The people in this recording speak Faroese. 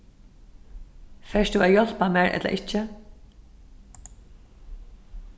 fert tú at hjálpa mær ella ikki